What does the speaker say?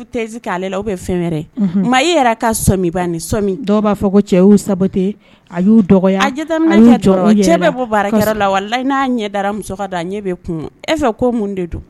Tɛ k' bɛ fɛn e yɛrɛ ka ni dɔw b'a fɔ ko cɛ a y'u dɔgɔ a bɔ la n'a ɲɛra muso ɲɛ kun e fɛ ko mun de don